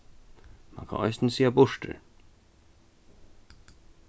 mann kann eisini siga burtur